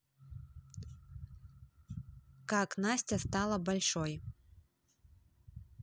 как настя стала большой